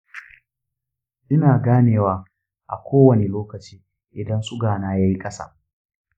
ina ganewa a kowane lokaci idan suga na yayi ƙasa.